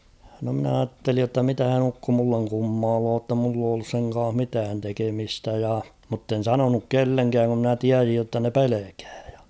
no minä ajattelin jotta mitähän ukko minulle kummailee jotta minulla ole ollut sen kanssa mitään tekemistä ja mutta en sanonut kenellekään kun minä tiesin jotta ne pelkää ja